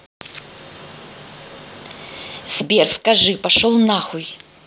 сбер скажи пошел нахуй